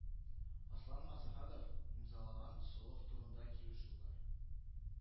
Аслан Масхадов имзалаган солых турында килешү бар